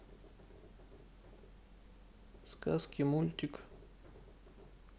сказки мультик